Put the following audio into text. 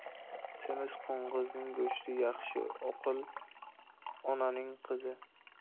semiz qo'zining go'shti yaxshi oqil onaning qizi